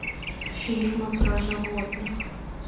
фильмы про животных